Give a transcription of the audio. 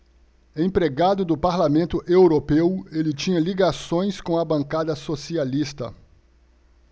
empregado do parlamento europeu ele tinha ligações com a bancada socialista